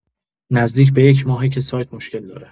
نزدیک به یک‌ماهه که سایت مشکل داره